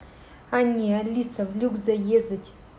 анне алиса в люк заезать